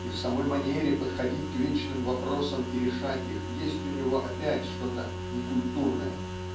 И в самой манере подходить к вечным вопросам и решать их есть у него опять что-то некультурное